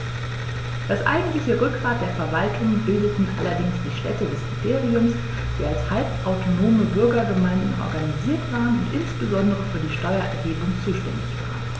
Das eigentliche Rückgrat der Verwaltung bildeten allerdings die Städte des Imperiums, die als halbautonome Bürgergemeinden organisiert waren und insbesondere für die Steuererhebung zuständig waren.